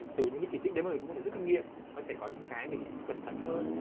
từ những cái chỉ trích đấy mà mình cũng có thể rút kinh nghiệm có thể có những cái mình cũng cẩn thận hơn